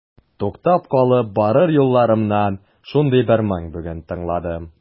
Туктап калып барыр юлларымнан шундый бер моң бүген тыңладым.